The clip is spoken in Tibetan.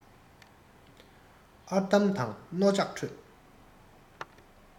ཨར དམ དང རྣོ ལྕགས ཁྲོད